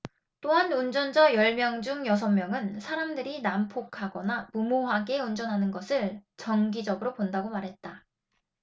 또한 운전자 열 명 중 여섯 명은 사람들이 난폭하거나 무모하게 운전하는 것을 정기적으로 본다고 말했다